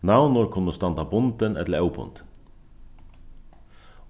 navnorð kunnu standa bundin ella óbundin